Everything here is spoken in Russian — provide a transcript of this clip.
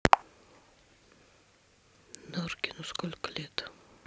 норкину сколько лет